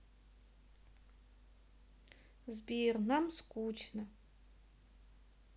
сбер нам скучно